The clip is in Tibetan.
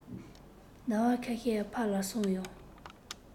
ཟླ བ ཁ ཤས ཕར ལ སོང ཡང